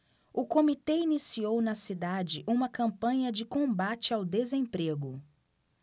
o comitê iniciou na cidade uma campanha de combate ao desemprego